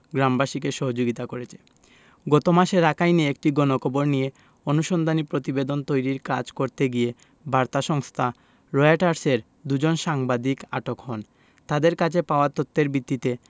গ্রামবাসীকে সহযোগিতা করেছে গত মাসে রাখাইনে একটি গণকবর নিয়ে অনুসন্ধানী প্রতিবেদন তৈরির কাজ করতে গিয়ে বার্তা সংস্থা রয়টার্সের দুজন সাংবাদিক আটক হন তাঁদের কাছে পাওয়া তথ্যের ভিত্তিতে